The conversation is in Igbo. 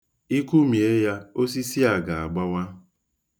I kụmie ya, osisi a ga-agbawa.